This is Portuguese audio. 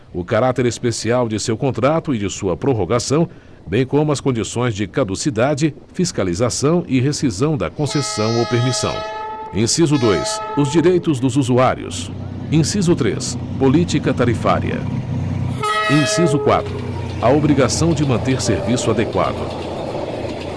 o caráter especial de seu contrato e de sua prorrogação bem como as condições de caducidade fiscalização e rescisão da concessão ou permissão inciso dois os direitos dos usuários inciso três política tarifária inciso quatro a obrigação de manter serviço adequado